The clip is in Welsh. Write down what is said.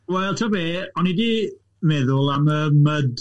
Wel tibod be, o'n i di meddwl am y mud.